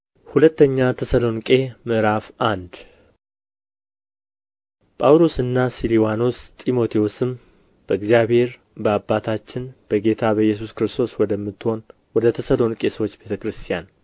ሁለኛ ተሰሎንቄ ምዕራፍ አንድ ጳውሎስና ስልዋኖስ ጢሞቴዎስም በእግዚአብሔር በአባታችን በጌታ በኢየሱስ ክርስቶስም ወደምትሆን ወደ ተሰሎንቄ ሰዎች ቤተ ክርስቲያን